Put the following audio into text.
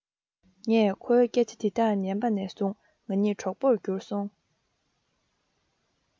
ངས ཁོའི སྐད ཆ འདི དག ཉན པ ནས བཟུང ང གཉིས གྲོགས པོར གྱུར སོང